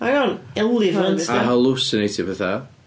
Go iawn? Eliffant, 'di o!... A halwsineitio pethau.